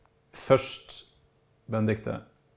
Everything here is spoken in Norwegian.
først Benedicte.